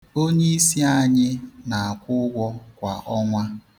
Onyeisi anyị na-akwụ ụgwọ kwa ọnwa.